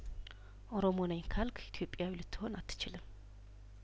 ኦሮሞ ነኝ ካልክ ኢትዮጵያዊ ልትሆን አትችልም